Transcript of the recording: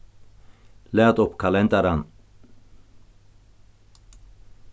lat upp kalendaran